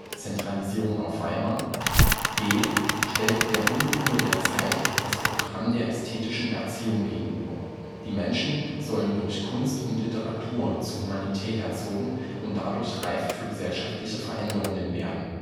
Zentralisierung auf Weimar Stellt der Unruhe der Zeit das Programm der ästhetischen Erziehung gegenüber: Die Menschen sollen durch Kunst und Literatur zu Humanität erzogen und dadurch reif für gesellschaftliche Veränderungen werden